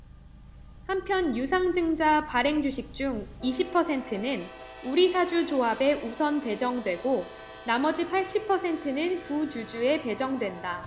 한편 유상증자 발행주식 중 이십 퍼센트는 우리사주조합에 우선 배정되고 나머지 팔십 퍼센트는 구주주에 배정된다